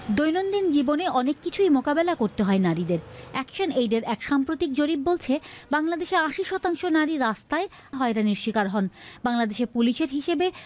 দৈনন্দিন জীবনে অনেক কিছুই মোকাবেলা করতে হয় নারীদের একশন এইডের এক সাম্প্রতিক জরিপ বলছে বাংলাদেশে ৮০ শতাংশ নারী রাস্তায় হয়রানির শিকার হন বাংলাদেশ পুলিশের হিসেবে